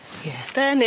Ie. 'Dyn ni?